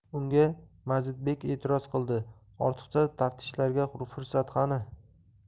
unga mazidbek etiroz qildi ortiqcha taftishlarga fursat qani